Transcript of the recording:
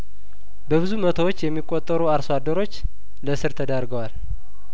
በብዙ መቶዎች የሚቆጠሩ አርሶ አደሮች ለስር ተዳርገዋል